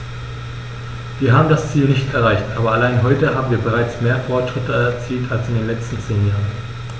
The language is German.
Wir haben das Ziel nicht erreicht, aber allein heute haben wir bereits mehr Fortschritte erzielt als in den letzten zehn Jahren.